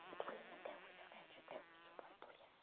Dwi'm yn dewis ocê, jyst dewis wbath plîs.